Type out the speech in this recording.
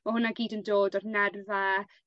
ma' hwnna gyd yn dod o'r nerfe